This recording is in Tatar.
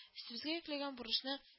Өстебезгә йөкләнгән бурычны